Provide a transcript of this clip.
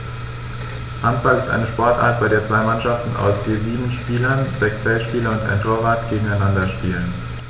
Handball ist eine Sportart, bei der zwei Mannschaften aus je sieben Spielern (sechs Feldspieler und ein Torwart) gegeneinander spielen.